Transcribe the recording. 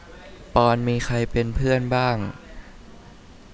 ปอนด์มีใครเป็นเพื่อนบ้าง